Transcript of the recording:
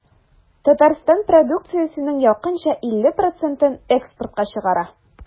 Татарстан продукциясенең якынча 50 процентын экспортка чыгара.